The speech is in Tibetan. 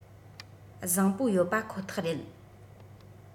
བཟང པོ ཡོད པ ཁོ ཐག རེད